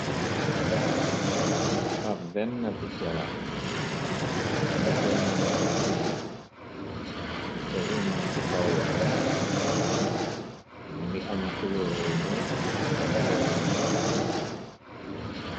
ab benn piccara bu benn loxo tii piccari muni ci kaw loxo am mu ngi am kulooruwu ñu ak kuloor wu nete